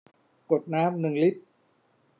กดน้ำหนึ่งลิตร